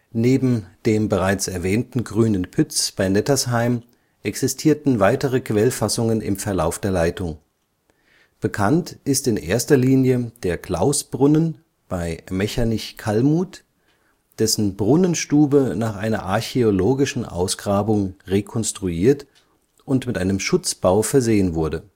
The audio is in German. Neben dem bereits erwähnten Grünen Pütz bei Nettersheim existierten weitere Quellfassungen im Verlauf der Leitung. Bekannt ist in erster Linie der Klausbrunnen bei Mechernich-Kallmuth, dessen Brunnenstube nach einer archäologischen Ausgrabung rekonstruiert und mit einem Schutzbau versehen wurde